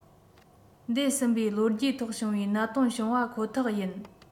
འདས ཟིན པའི ལོ རྒྱུས ཐོག བྱུང བའི གནད དོན བྱུང བ ཁོ ཐག ཡིན